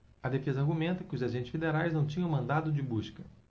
a defesa argumenta que os agentes federais não tinham mandado de busca